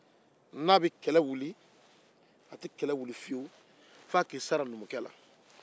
n'a bɛ kɛlɛ wuli a tɛ kɛlɛ wuli fiyewu f'a k'i sara numukɛ la